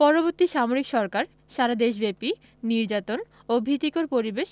পরবর্তী সামরিক সরকার সারা দেশব্যাপী নির্যাতন ও ভীতিকর পরিবেশ